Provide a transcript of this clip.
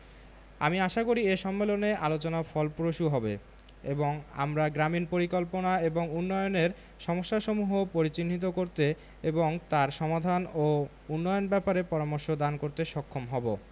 আমি আশা করি এ সম্মেলনে আলোচনা ফলপ্রসূ হবে এবং আমরা গ্রামীন পরিকল্পনা এবং উন্নয়নের সমস্যাসমূহ পরিচিহ্নিত করতে এবং তার সমাধান ও উন্নয়ন ব্যাপারে পরামর্শ দান করতে সক্ষম হবো